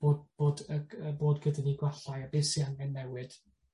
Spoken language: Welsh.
Bod bod yg yy bod gyda ni gwallau a beth sy angen newid.